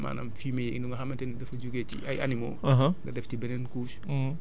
nga jël résidus de matières animales maanaam fumier yi nga xamante ni dafa jugee ci ay animaux